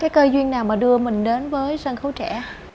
cái cơ duyên nào mà đưa mình đến với sân khấu trẻ